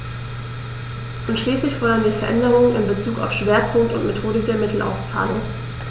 Und schließlich fordern wir Veränderungen in bezug auf Schwerpunkt und Methodik der Mittelauszahlung.